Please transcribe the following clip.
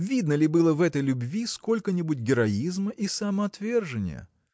Видно ли было в этой любви сколько-нибудь героизма и самоотвержения?